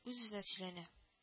Үз-үзенә сөйләнә